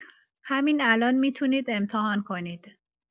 همین الان می‌تونید امتحان کنید.